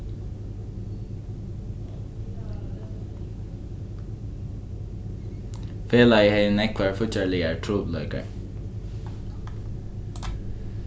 felagið hevði nógvar fíggjarligar trupulleikar